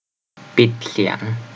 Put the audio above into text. ปิดเสียง